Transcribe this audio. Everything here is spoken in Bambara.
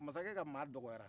masakɛ ka maa dɔgɔyara